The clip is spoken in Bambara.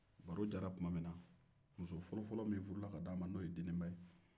baro jara tuma min na muso fɔlɔ fɔlɔ min furula ka di a ma n'o ye deninba ye